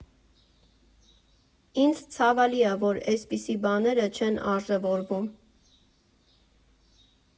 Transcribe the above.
Ինձ ցավալի ա, որ էսպիսի բաները չեն արժևորվում։